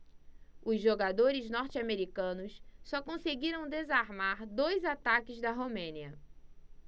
os jogadores norte-americanos só conseguiram desarmar dois ataques da romênia